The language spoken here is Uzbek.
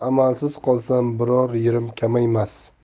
amalsiz qolsam biror yerim kamaymas